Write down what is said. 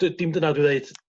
dy- dim dyna dwi'n ddeud